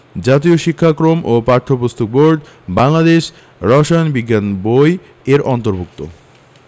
জাতীয় শিক্ষাক্রম ও পাঠ্যপুস্তক বোর্ড বাংলাদেশ রসায়ন বিজ্ঞান বই এর অন্তর্ভুক্ত